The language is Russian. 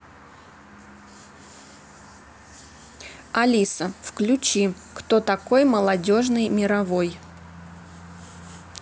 алиса включи кто такой молодежный мировой